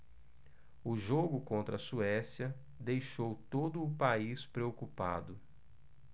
o jogo contra a suécia deixou todo o país preocupado